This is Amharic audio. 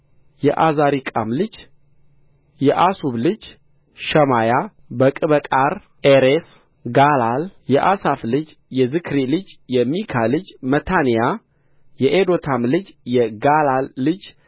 የዓዝሪቃም ልጅ የአሱብ ልጅ ሸማያ በቅበቃር ኤሬስ ጋላል የኣሳፍ ልጅ የዝክሪ ልጅ የሚካ ልጅ መታንያ የኤዶታም ልጅ የጋላል ልጅ